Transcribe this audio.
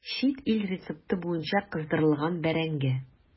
Чит ил рецепты буенча кыздырылган бәрәңге.